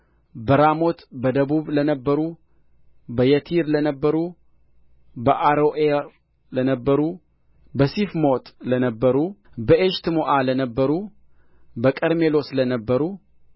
በራሞት በደቡብ ለነበሩ በየቲር ለነበሩ በአሮዔር ለነበሩ በሢፍሞት ለነበሩ በኤሽትሞዓ ለነበሩ በቀርሜሎስ ለነበሩ